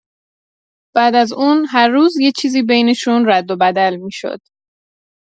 بعد از اون، هر روز یه چیزی بینشون رد و بدل می‌شد.